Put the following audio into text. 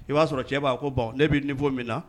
I b'a sɔrɔ cɛ' ko bɔn ne b'i nin fɔ min na